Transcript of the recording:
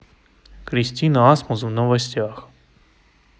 кристина асмус в новостях